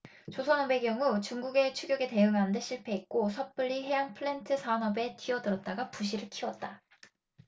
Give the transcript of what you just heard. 조선업의 경우 중국의 추격에 대응하는 데 실패했고 섣불리 해양플랜트 산업에 뛰어들었다가 부실을 키웠다